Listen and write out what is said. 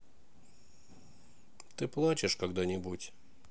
ты плачешь когда нибудь